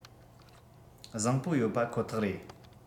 བཟང པོ ཡོད པ ཁོ ཐག རེད